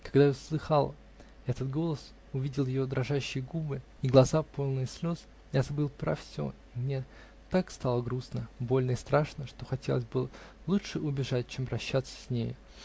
Когда я услыхал этот голос, увидал ее дрожащие губы и глаза, полные слез, я забыл про все и мне так стало грустно, больно и страшно, что хотелось бы лучше убежать, чем прощаться с нею.